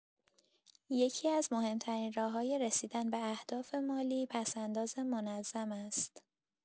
یکی‌از مهم‌ترین راه‌های رسیدن به اهداف مالی، پس‌انداز منظم است.